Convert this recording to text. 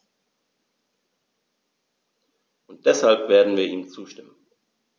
Und deshalb werden wir ihm zustimmen.